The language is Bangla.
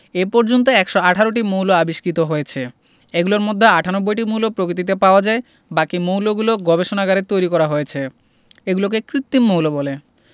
এ পর্যন্ত ১১৮টি মৌল আবিষ্কৃত হয়েছে এগুলোর মধ্যে ৯৮টি মৌল প্রকৃতিতে পাওয়া যায় বাকি মৌলগুলো গবেষণাগারে তৈরি করা হয়েছে এগুলোকে কৃত্রিম মৌল বলে